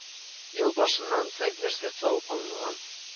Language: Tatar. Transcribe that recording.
Ел башыннан центнер сөт савып алынган